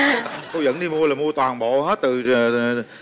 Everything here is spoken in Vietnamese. cô dẫn đi mua là mua toàn bộ hết từ